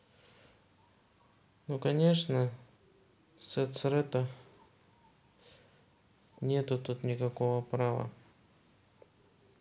ну конечно secreto нету тут никого права